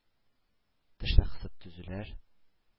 Тешне кысып түзүләр,